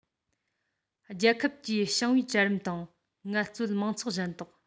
རང རྒྱལ གྱི ཞིང པའི གྲལ རིམ དང ངལ རྩོལ མང ཚོགས གཞན དག